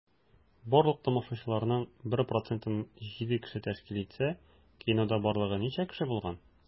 Барлык тамашачыларның 1 процентын 7 кеше тәшкил итсә, кинода барлыгы ничә кеше булган?